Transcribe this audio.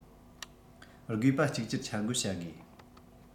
དགོས པ གཅིག གྱུར འཆར འགོད བྱ དགོས